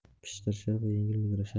pishqirishar va yengil mudrashardi